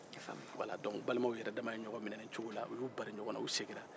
wala balimaw yɛrɛdama ye ɲɔgɔn minɛ u segin na